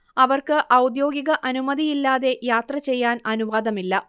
അവർക്ക് ഔദ്യോഗിക അനുമതിയില്ലാതെ യാത്രചെയ്യാൻ അനുവാദമില്ല